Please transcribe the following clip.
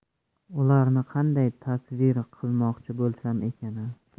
ularni qanday tasvir qilmoqchi bo'lsam ekana